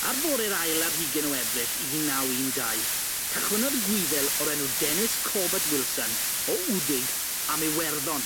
Ar fore'r ail ar hugen o Ebrill un naw un dau, cychwynodd y Gwyddel o'r enw Dennis Corbett Wilson o Wdig am Iwerddon.